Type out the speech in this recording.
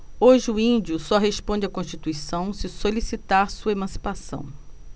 hoje o índio só responde à constituição se solicitar sua emancipação